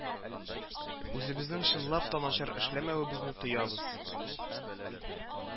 Үзебезнең чынлап та начар эшләмәвебезне тоябыз